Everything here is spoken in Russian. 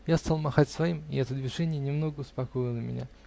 Я стал махать своим, и это движение немного успокоило меня.